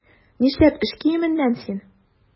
Нишләп эш киеменнән син?